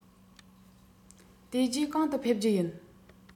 དེ རྗེས གང དུ ཕེབས རྒྱུ ཡིན